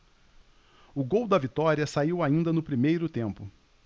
o gol da vitória saiu ainda no primeiro tempo